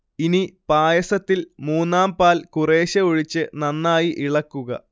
ഇനി പായസത്തിൽ മൂന്നാം പാൽ കുറേശ്ശെ ഒഴിച്ച് നന്നായി ഇളക്കുക